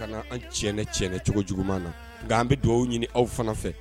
Kana an tiɛnɛ cɛn cogo juguman na nka an bɛ dugawu ɲini aw fana fɛ